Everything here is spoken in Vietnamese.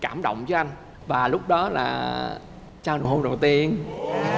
cảm động chứ anh và lúc đó là trao nụ hôn đầu tiên